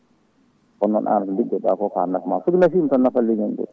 kono noon an ko liggotoɗako ko ha nafma so ko naafima tan nafat leeñol ngol